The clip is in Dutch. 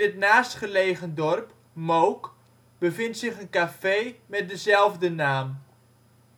het naastgelegen dorp, Mook, bevindt zich een café met dezelfde naam.